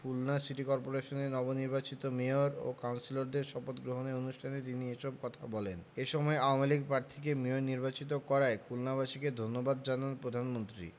Khulna city কর্পোরেশনের নবনির্বাচিত mayor ও কাউন্সিলরদের শপথগ্রহণ অনুষ্ঠানে তিনি এসব কথা বলেন এ সময় আওয়ামী লীগ প্রার্থীকে মেয়র নির্বাচিত করায় খুলনাবাসীকে ধন্যবাদ জানান প্রধানমন্ত্রী